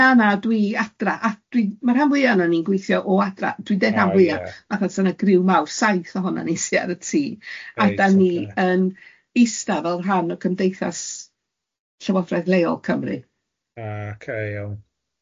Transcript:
Na na dwi adra a dwi ma' rhan fwya ohonan ni'n gweithio o adra dwi'n deud... O ie. ...rhan fwya fatha sa' na griw mawr, saith ohona'n ni sy ar y ti- Reit ocê. ...a dan ni yn eistedd fel rhan o Cymdeithas Llywodraeth Leol Cymru. O ocê iawn.